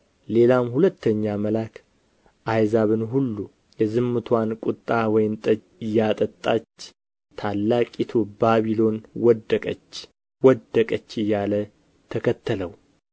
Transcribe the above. ሌላም ሁለተኛ መልአክ አሕዛብን ሁሉ የዝሙትዋን ቍጣ ወይን ጠጅ ያጠጣች ታላቂቱ ባቢሎን ወደቀች ወደቀች እያለ ተከተለው